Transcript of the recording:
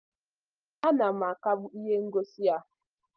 A na m akagbu ihe ngosi a.